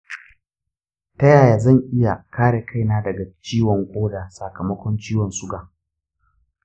ta yaya zan iya kare kaina daga ciwon koda sakamakon ciwon suga?